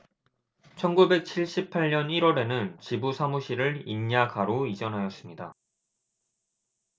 천 구백 칠십 팔 년 일 월에는 지부 사무실을 인야 가로 이전하였습니다